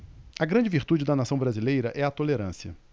a grande virtude da nação brasileira é a tolerância